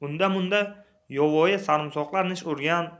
undamunda yovvoyi sarimsoqlar nish urgan